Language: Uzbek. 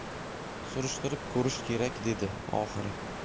surishtirib ko'rish kerak dedi oxiri